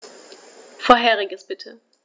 Vorheriges bitte.